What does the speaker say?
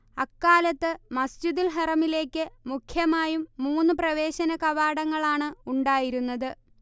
അക്കാലത്ത് മസ്ജിദുൽ ഹറമിലേക്ക് മുഖ്യമായും മൂന്നു പ്രവേശന കവാടങ്ങളാണ് ഉണ്ടായിരുന്നത്